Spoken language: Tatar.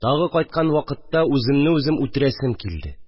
Тагы кайткан вакытта үземне үзем үтерәсем килде